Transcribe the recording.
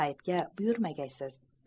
aybga buyurmagaysiz